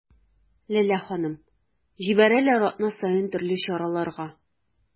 Ләлә ханым: җибәрәләр атна-ай саен төрле чараларга.